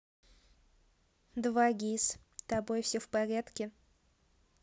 2gis тобой все в порядке